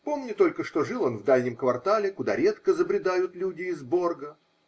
Помню только, что жил он в дальнем квартале, куда редко забредают люди из Борго.